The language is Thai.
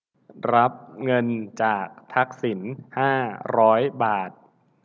รับเงินจากทักษิณห้าร้อยบาท